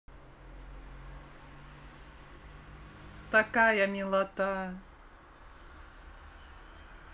такая милота